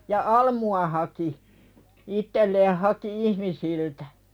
ja almua haki itselleen haki ihmisiltä